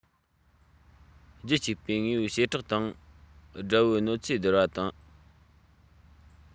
རྒྱུད གཅིག པའི དངོས པོའི བྱེ བྲག དང དགྲ བོའི གནོད འཚེ བསྡུར བ ན